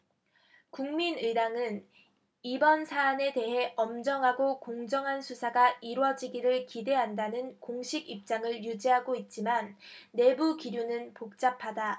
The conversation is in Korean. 국민의당은 이번 사안에 대해 엄정하고 공정한 수사가 이뤄지길 기대한다는 공식 입장을 유지하고 있지만 내부 기류는 복잡하다